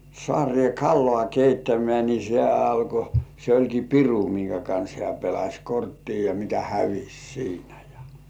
saareen kalaa keittämään niin se alkoi se olikin piru minkä kanssa hän pelasi korttia ja mikä hävisi siinä ja